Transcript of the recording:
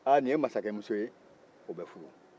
aaa ni ye masakɛmuso ye o bɛ furu